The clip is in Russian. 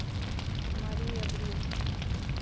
мария бриз